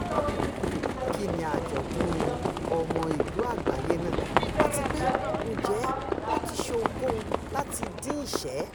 Kínni Àjọ̀dun Ọmọ Ìlú Àgbáyé náà àtipé Ǹjẹ́ ó ti Ṣe Ohunkóhun láti Din Ìṣé?